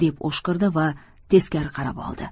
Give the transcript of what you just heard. deb o'shqirdi va teskari qarab oldi